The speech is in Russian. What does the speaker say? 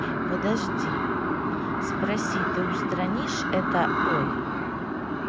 подождите спроси ты устранишь это ой